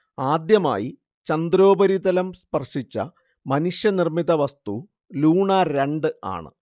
ആദ്യമായി ചന്ദ്രോപരിതലം സ്പർശിച്ച മനുഷ്യനിർമിത വസ്തു ലൂണ രണ്ട് ആണ്